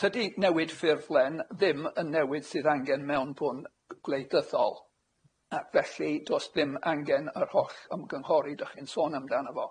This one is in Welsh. Tydi newid ffurflen ddim yn newid sydd angen mewnbwn g- gwleidyddol, ac felly do's dim angen yr holl ymgynghori dach chi'n sôn amdano fo.